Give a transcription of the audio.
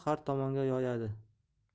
har tomonga yoyadi